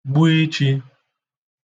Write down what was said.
gbu ichi